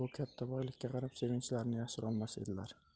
bu katta boylikka qarab sevinchlarini yashirolmas edilar